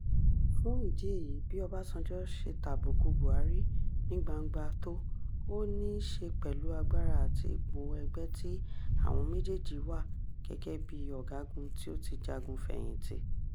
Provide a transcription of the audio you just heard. Fún ìdí èyí, bí Ọbásanjọ́ ṣe tàbùkù Buhari ní gbangba tó, ó níí ṣe pẹ̀lú agbára àti ipò ẹgbẹ́ tí àwọn méjèèjì wà gẹ́gẹ́ bí ọ̀gágun tí ó ti jagun fẹ̀yìntì.